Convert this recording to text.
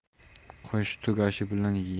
qo'shiq tugashi bilan